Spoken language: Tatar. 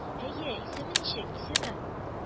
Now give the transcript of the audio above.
— әйе, исеме ничек? исеме…